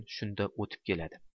shunda o'tib keladi